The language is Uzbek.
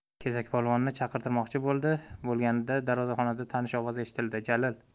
kesakpolvonni chaqirtirmoqchi bo'lganida darvozaxonada tanish ovoz eshitildi jalil